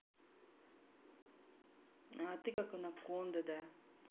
а ты как анаконда да